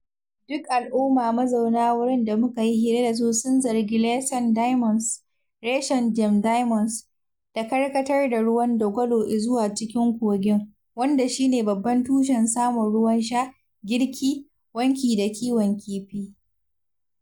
Duk al’umma mazauna wurin da muka yi hira da su sun zargi Letšeng Diamonds — reshen Gem Diamonds — da karkatar da ruwan dagwalo izuwa cikin kogin, wanda shine babban tushen samun ruwan sha, girki, wanki, da kiwon kifi.